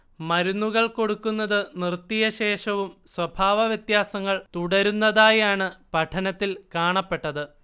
മരുന്നുകൾ കൊടുക്കുന്നത് നിർത്തിയശേഷവും സ്വഭാവവ്യത്യാസങ്ങൾ തുടരുന്നതായാണ് പഠനത്തിൽ കാണപ്പെട്ടത്